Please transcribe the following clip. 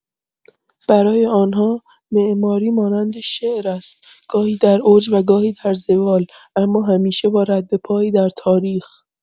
برای آن‌ها، معماری مانند شعر است؛ گاهی در اوج و گاهی در زوال، اما همیشه با ردپایی در تاریخ.